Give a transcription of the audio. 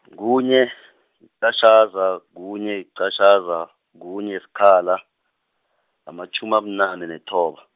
kunye, yiqatjhaza, kunye, yiqatjhaza, kunye, sikhala, amatjhumi abunane nethoba.